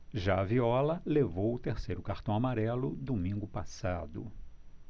já viola levou o terceiro cartão amarelo domingo passado